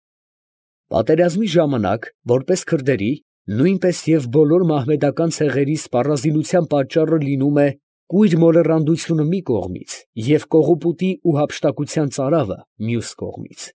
Պատերազմի ժամանակ որպես քրդերի, նույնպես և բոլոր մահմեդական ցեղերի սպառազինության պատճառը լինում է՝ կույր մոլեռանդությունը մի կողմից և կողոպուտի ու հափշտակության ծարավը, մյուս կողմից։